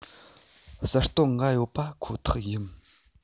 གསར གཏོད འགའ ཡོད པ ཁོ ཐག ཡིན